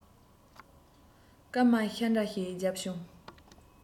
སྐར མ ཤར འདྲ ཞིག བརྒྱབ བྱུང